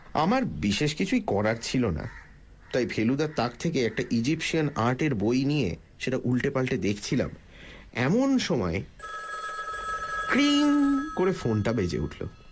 আমার বিশেষ কিছুই করার ছিল না তাই ফেলুদার তাক থেকে একটা ইজিন্সিয়ান আর্টের বই নিয়ে সেটা উলটে পালটে দেখছিলাম এমন সময় ক্রিং করে ফোনটা বেজে উঠল